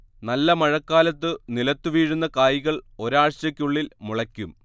നല്ല മഴക്കാലത്തു നിലത്തുവീഴുന്ന കായ്കൾ ഒരാഴ്ചയ്ക്കുള്ളിൽ മുളയ്ക്കും